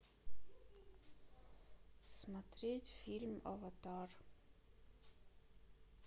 смотреть фильм аватар